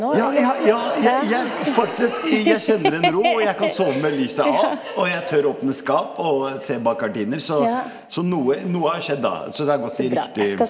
ja ja ja jeg jeg faktisk jeg kjenner en ro og jeg kan sove med lyset av og jeg tør å åpne skap og se bak gardiner, så så noe noe har skjedd da, så det har gått i riktig.